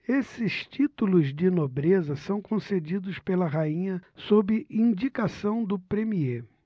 esses títulos de nobreza são concedidos pela rainha sob indicação do premiê